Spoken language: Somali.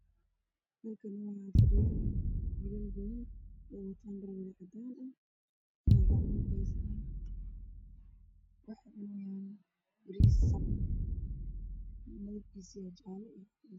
Halkaan waxaa ka muuqdo wiilal dhalinyaro ah waxay fadhiyaan meel hool ah waxay cunayaan cunto waxay qabaan fanaanado cadaan ah